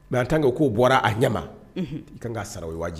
Mais en tant que o ko bɔra a ɲɛma unhun i kaan ka sara o ye waajib